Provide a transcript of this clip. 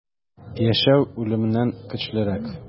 Яшәү үлемнән көчлерәк.